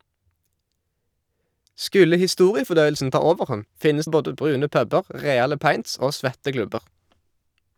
Skulle historiefordøyelsen ta overhånd, finnes både brune puber, reale pints og svette klubber.